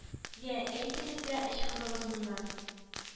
Йә, әйтегез дә, ычкыныгыз моннан